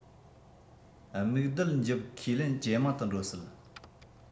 སྨུག རྡུལ འཇིབ ཁས ལེན ཇེ མང དུ འགྲོ སྲིད